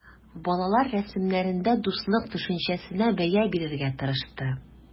Балалар рәсемнәрендә дуслык төшенчәсенә бәя бирергә тырышты.